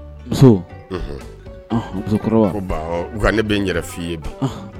Wa ne bɛ n yɛrɛ f' i ye